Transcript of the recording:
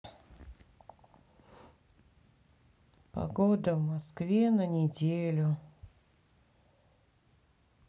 погода в москве на неделю